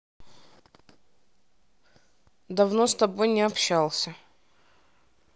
давно с тобой не общался